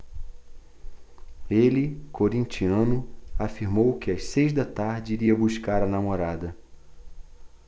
ele corintiano afirmou que às seis da tarde iria buscar a namorada